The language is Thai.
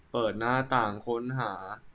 เปิดหน้าต่างค้นหา